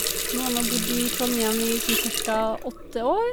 Nå har jeg nå bodd i Trondhjem i sånn cirka åtte år.